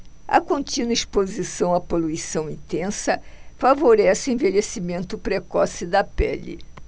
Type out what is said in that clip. a contínua exposição à poluição intensa favorece o envelhecimento precoce da pele